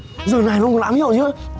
giờ này ông còn ám hiệu gì nữa